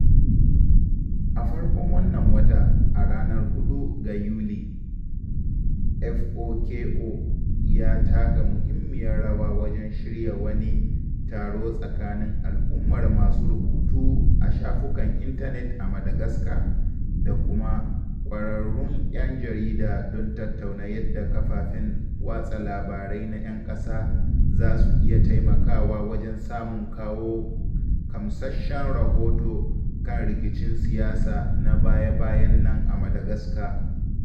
A farkon wannan watan (a ranar 4 ga Yuli),FOKO ya taka muhimmiyar rawa wajen shirya wani taro tsakanin al'ummar masu rubutu a shafukan intanet a Madagascar, da kuma ƙwararrun 'yan jarida don tattauna yadda kafafen watsa labarai na 'yan ƙasa za su iya taimakawa wajen samun kawo gamsasshen rahoto kan rikicin siyasa na baya-bayan nan a Madagascar.